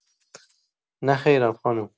نخیرم خانوم